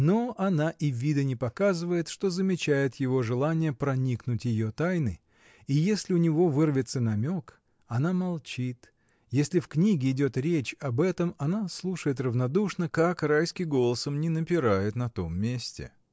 Но она и вида не показывает, что замечает его желание проникнуть ее тайны, и если у него вырвется намек — она молчит, если в книге идет речь об этом, она слушает равнодушно, как Райский голосом ни напирает на том месте.